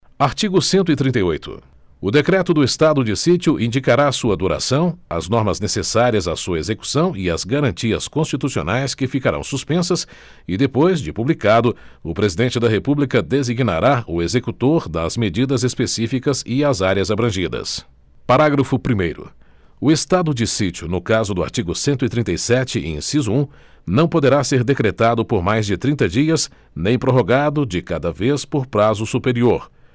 artigo cento e trinta e oito o decreto do estado de sítio indicará sua duração as normas necessárias a sua execução e as garantias constitucionais que ficarão suspensas e depois de publicado o presidente da república designará o executor das medidas específicas e as áreas abrangidas parágrafo primeiro o estado de sítio no caso do artigo cento e trinta e sete inciso um não poderá ser decretado por mais de trinta dias nem prorrogado de cada vez por prazo superior